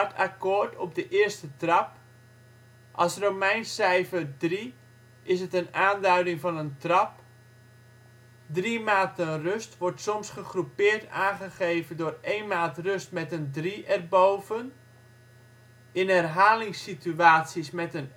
akkoord op de eerste trap Als romeins cijfer III is het een aanduiding van een Trap Drie maten rust worden soms gegroepeerd aangegeven door 1 maat rust met een 3 erboven In herhalingssituaties met een